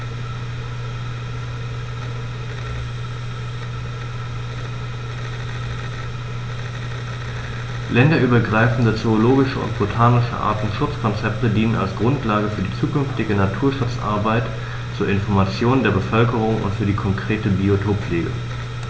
Länderübergreifende zoologische und botanische Artenschutzkonzepte dienen als Grundlage für die zukünftige Naturschutzarbeit, zur Information der Bevölkerung und für die konkrete Biotoppflege.